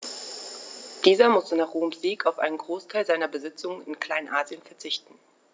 Dieser musste nach Roms Sieg auf einen Großteil seiner Besitzungen in Kleinasien verzichten.